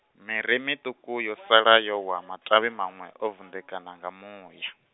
miri miṱuku yo sala yo wa matavhi manwe o vunḓekana nga muya.